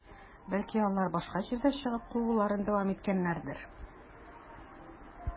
Бәлки, алар башка җирдә чыгып, кууларын дәвам иткәннәрдер?